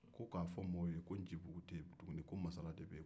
ko k'a fɔ mɔgɔw ye k'a fɔ ko ncibugu tɛ yen tuguni ko masala de bɛ yen